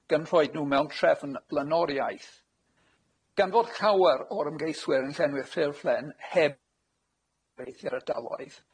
gan rhoid nw mewn trefn blaenoriaeth. Gan fod llawer o'r ymgeiswyr yn llenwi'r ffurflen heb blaenoriaethu'r ardaloedd